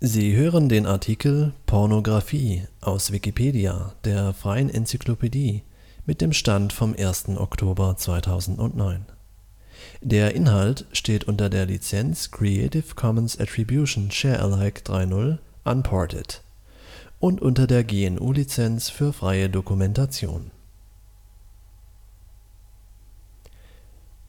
Sie hören den Artikel Pornografie, aus Wikipedia, der freien Enzyklopädie. Mit dem Stand vom Der Inhalt steht unter der Lizenz Creative Commons Attribution Share Alike 3 Punkt 0 Unported und unter der GNU Lizenz für freie Dokumentation.